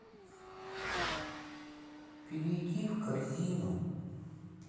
перейти в корзину